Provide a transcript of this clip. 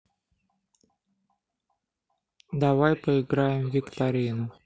давай поиграем в викторину